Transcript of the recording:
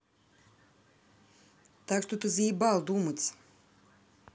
так что ты заебал думать